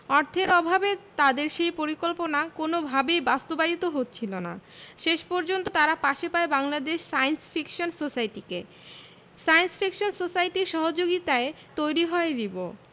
অর্থের অভাবে তাদের সেই পরিকল্পনা কোনওভাবেই বাস্তবায়িত হচ্ছিল না শেষ পর্যন্ত তারা পাশে পায় বাংলাদেশ সায়েন্স ফিকশন সোসাইটিকে সায়েন্স ফিকশন সোসাইটির সহযোগিতায়ই তৈরি হয় রিবো